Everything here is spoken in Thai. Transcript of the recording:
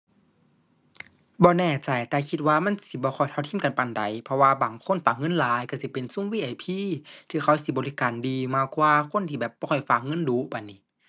บ่แน่ใจ แต่คิดว่ามันสิบ่ค่อยเท่าเทียมกันปานใด เพราะว่าบางคนปรับเงินหลายก็สิเป็นซุม VIP ที่เขาสิบริการดีมากกว่าคนที่แบบบ่ค่อยฝากเงินดู๋ปานนี้